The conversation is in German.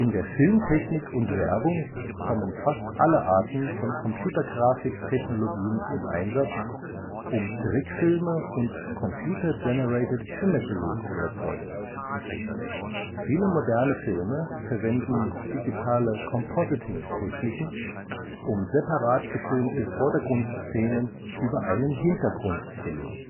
der Filmtechnik und Werbung kommen fast alle Arten von Computergrafik-Technologien zum Einsatz, um Trickfilme und Computer Generated Imagery zu erzeugen. Viele moderne Filme verwenden digitale Compositing-Techniken, um separat gefilmte Vordergrundszenen über einen Hintergrund zu legen